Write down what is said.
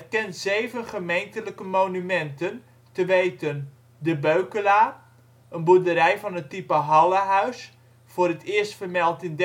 kent zeven gemeentelijke monumenten te weten; De Beukelaar, boerderij van het type hallehuis, voor het eerst vermeld in